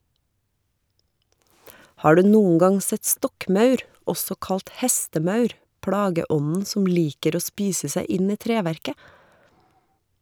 Har du noen gang sett stokkmaur, også kalt hestemaur, plageånden som liker å spise seg inn i treverket?